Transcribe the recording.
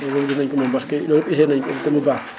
loolu dinañ ko mën parce que essayé nañ ko te mu baax